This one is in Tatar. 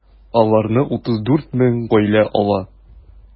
Аларны 34 мең гаилә ала.